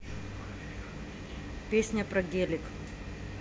песня про гелик